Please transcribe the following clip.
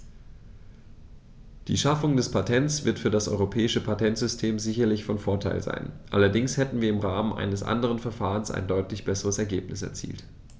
Die Schaffung des Patents wird für das europäische Patentsystem sicherlich von Vorteil sein, allerdings hätten wir im Rahmen eines anderen Verfahrens ein deutlich besseres Ergebnis erzielt.